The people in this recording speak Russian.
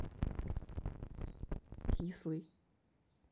кислый